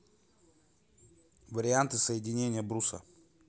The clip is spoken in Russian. варианты соединения бруса